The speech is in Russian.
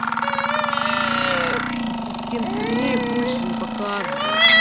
ассистент поменяй больше не показывай